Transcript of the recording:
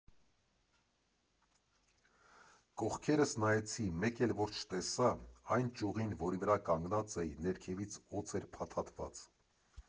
Կողքերս նայեցի, մեկ էլ որ չտեսա՝ այն ճյուղին, որի վրա կանգնած էի, ներքևից օձ էր փաթաթված։